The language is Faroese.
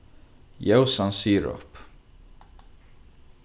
ljósan sirop